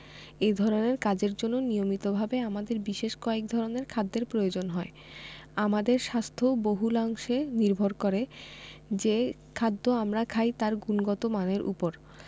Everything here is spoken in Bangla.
এ ধরনের কাজের জন্য নিয়মিতভাবে আমাদের বিশেষ কয়েক ধরনের খাদ্যের প্রয়োজন হয় আমাদের স্বাস্থ্য বহুলাংশে নির্ভর করে যে খাদ্য আমরা খাই তার গুণগত মানের ওপর